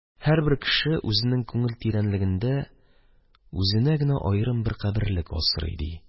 «һәрбер кеше үзенең күңел тирәнлегендә үзенә аерым бер каберлек асрый», – ди.